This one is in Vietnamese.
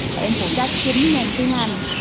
em phụ trách chính môn tiếng anh